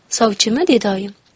sovchimi dedi oyim